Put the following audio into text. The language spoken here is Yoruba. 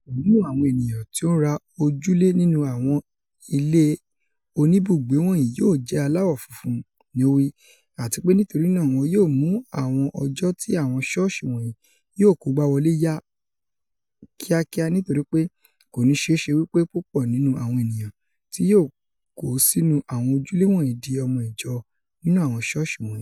"Ọpọ nínú awọn eniyan ti o nra ojule nínú awọn ile onibugbe wọnyi yoo jẹ alawọ funfun," ni o wi, "atipe nitorinaa wọn yoo mu awọn ọjọ ti awọn sọọsi wọnyi yoo kogba wọle ya kiakia nitoripe koni ṣee ṣe wipe pupọ nínú awọn eniyan ti yoo ko sinu awọn ojule wọnyi di ọmo ijọ nínú awọn sọọsi wọnyi."